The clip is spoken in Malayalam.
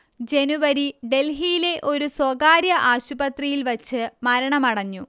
ജനുവരി ഡൽഹിയിലെ ഒരു സ്വകാര്യ ആശുപത്രിയിൽ വച്ച് മരണമടഞ്ഞു